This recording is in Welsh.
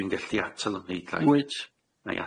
Ydw i'n gallu atal ym mhleidlais?